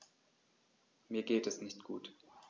Mir geht es nicht gut.